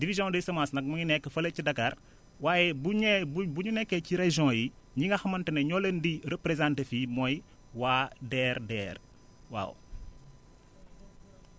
division des semences nag mu ngi nekk fële ca Dakar waaye bu ñu nee bu bu ñu nekkee ci région yi ñi nga xamante ne ñoo leen di représenté fii mooy waa DRDR waaw